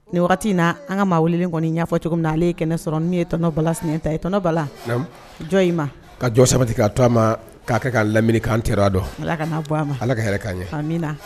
Nin wagati na an ka maa wulilen kɔni'a ɲɛfɔ cogo min na ale ye kɛnɛ ne sɔrɔ ne ye tɔnɔnɔ bala sinan ta yeɔnɔba jɔn in ma ka jɔ sabati k'a to a ma k'a kɛ ka laminikan tɛ a dɔn ala ka ala ka' ɲɛ